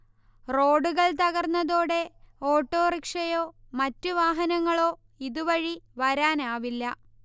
റോഡുകൾ തകർന്നതോടെ ഓട്ടോറിക്ഷയോ മറ്റ് വാഹനങ്ങളോ ഇതുവഴി വരാനാവില്ല